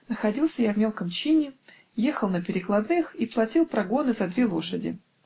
Находился я в мелком чине, ехал на перекладных и платил прогоны за две лошади.